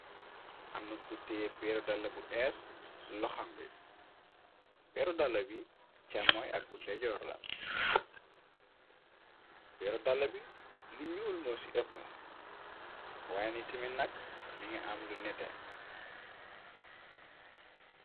Amna kotee peerodala bu ees su loxam bi perodala bi càmmoy ak bu dejoorla pero dala bi lu ñuul moo ci ëppa waaye ni te mi nakk mi nga am lu nete.